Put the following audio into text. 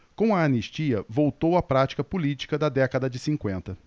com a anistia voltou a prática política da década de cinquenta